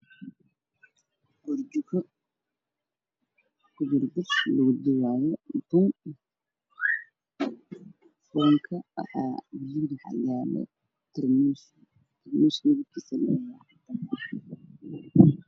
Waa burjiko kallankeedu yahay midooday waxaa saaran degsi waxaa ku karaayo bun saliid ayaa ku jirta